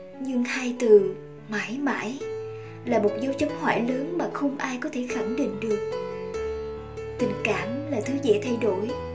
nhưng hai từ mãi mãi là một dấu chấm hỏi lớn mà không ai có thể khẳng định được tình cảm là thứ dễ thay đổi